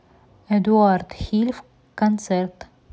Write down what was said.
эдуард хиль концерт